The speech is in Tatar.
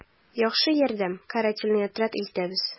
«яхшы ярдәм, карательный отряд илтәбез...»